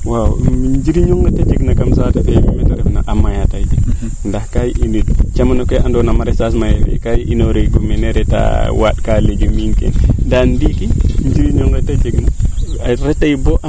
waaw o njirño nge te jeg na kam saate fee a maya kay ndax kaa i camano ke nando naye maraichage mayee kaa inoorogu mene reta waanda kaa legume iin kene yiin ndaa ndiiki o njirño nge te jeg na a retay boo